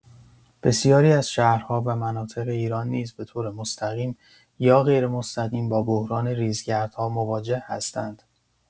بسیاری از شهرها و مناطق ایران نیز به‌طور مستقیم یا غیرمستقیم با بحران ریزگردها مواجه هستند.